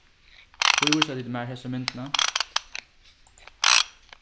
hví vísa tit mær hesa myndina